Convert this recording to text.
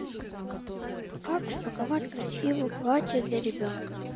как упаковать красиво платье для ребенка